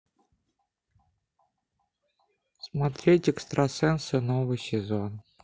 смотреть экстрасенсы новый сезон